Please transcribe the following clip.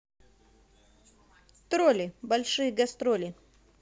тролли большие гастроли